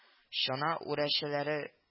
Чана үрәчәләре